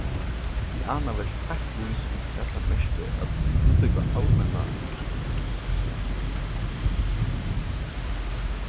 diana var ikki heilt vís í hvat tað merkti at útbúgva almenna hugsanarháttin